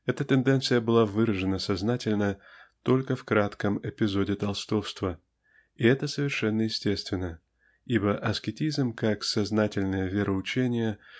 Эта тенденция была выражена сознательно только в кратком эпизоде толстовства и это совершенно естественно ибо аскетизм как сознательное вероучение